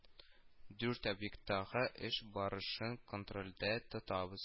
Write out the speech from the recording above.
Дүрт объекттагы эш барышын контрольдә тотабыз